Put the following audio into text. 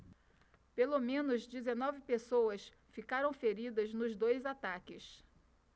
pelo menos dezenove pessoas ficaram feridas nos dois ataques